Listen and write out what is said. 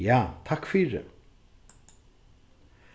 ja takk fyri